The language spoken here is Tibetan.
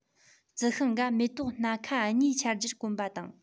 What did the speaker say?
རྩི ཤིང འགའ མེ ཏོག སྣ ཁ གཉིས འཆར རྒྱུར གོམས པ དང